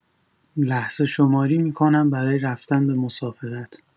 لحظه‌شماری می‌کنم برای رفتن به مسافرت.